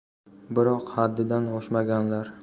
biroq haddidan oshmaganlar